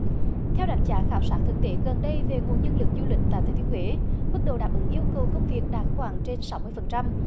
theo đánh giá khảo sát thực tế gần đây về nguồn nhân lực du lịch tại thừa thiên huế bước đầu đáp ứng yêu cầu công việc đạt khoảng trên sáu mươi phần trăm